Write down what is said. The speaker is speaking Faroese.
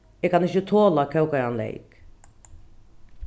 eg kann ikki tola kókaðan leyk